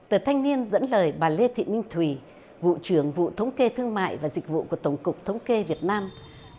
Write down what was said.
tờ thanh niên dẫn lời bà lê thị minh thùy vụ trưởng vụ thống kê thương mại và dịch vụ của tổng cục thống kê việt nam